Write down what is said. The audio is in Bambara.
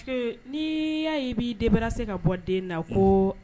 Ni y'a ye b'i denbara se ka bɔ den na ko